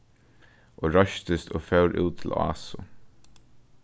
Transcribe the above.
og reistist og fór út til ásu